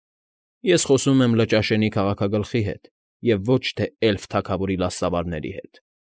Ես խոսում եմ Լճաշենի քաղաքագլխի հետ և ոչ թե էլֆ թագավորի լաստավարների հետ։